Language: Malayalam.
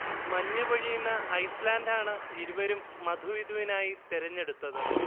മഞ്ഞ് പൊഴിയുന്ന ഐസ്ലാന്റാണ് ഇരുവരും മധുവിധുവിനായി തിരഞ്ഞെടുത്തത്